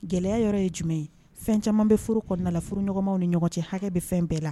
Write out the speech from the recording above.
Gɛlɛya yɔrɔ ye jumɛn ye fɛn caman bɛ furu kɔɔna la furu ɲɔgɔnmaw ni ɲɔgɔn cɛ hakɛ bɛ fɛn bɛɛ la